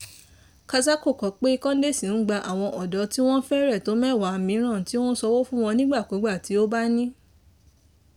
Kazako kọ pé Kondesi ń gba àwọn ọ̀dọ́ tí wọ́n fẹ́rẹ̀ tó mẹ́wàá mìíràn, tí ó ń sanwó fún wọn ní ìgbàkugbà tí ó bá ní.